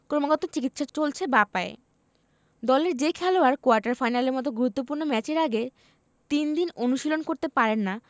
ক্রমাগত চিকিৎসা চলছে বাঁ পায়ে দলের যে খেলোয়াড় কোয়ার্টার ফাইনালের মতো গুরুত্বপূর্ণ ম্যাচের আগে তিন দিন অনুশীলন করতে পারেন না